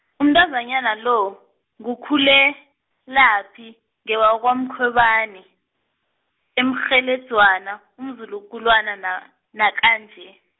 umntazanyana lo, nguKhulelaphi, ngewakwaMkhwebani, eMkgheledzwana, umzulu- kulwana, na- nakanje.